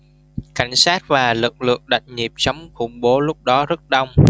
cảnh sát và lực lượng đặc nhiệm chống khủng bố lúc đó rất đông